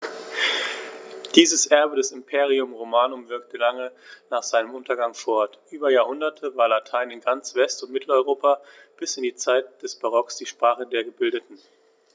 Dieses Erbe des Imperium Romanum wirkte lange nach seinem Untergang fort: Über Jahrhunderte war Latein in ganz West- und Mitteleuropa bis in die Zeit des Barock die Sprache der Gebildeten.